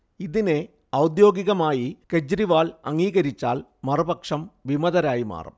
ഇതിനെ ഔദ്യോഗികമായി കെജ്രിവാൾ അംഗീകരിച്ചാൽ മറുപക്ഷം വിമതരായി മാറും